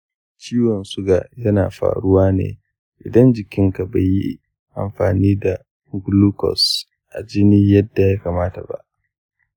ciwon suga yana faruwa ne idan jikinka bai yi amfani da glucose a jini yadda ya kamata ba.